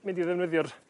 mynd i ddefnyddio'r